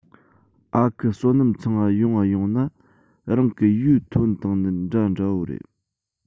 ཨ ཁུ བསོད ནམས ཚང ང ཡོང ང ཡོང ན རང གི ཡུའུ ཐོན བཏང ནི འདྲ འདྲ བོ རེད